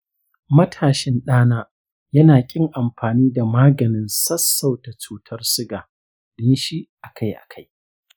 matashin ɗana ya na ƙin amfani da maganin sassauta cutar suga ɗinshi akai-akai.